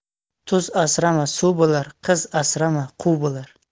tuz asrama suv bo'lar qiz asrama quv bo'lar